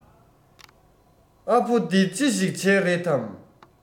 ཨ ཕོ འདི ཅི ཞིག བྱས རེད དམ